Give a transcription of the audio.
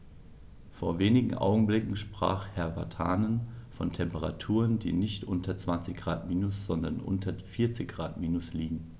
Vor wenigen Augenblicken sprach Herr Vatanen von Temperaturen, die nicht nur unter 20 Grad minus, sondern unter 40 Grad minus liegen.